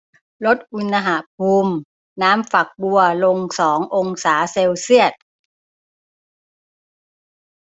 ลดอุณหภูมิน้ำฝักบัวลงสององศาเซลเซียส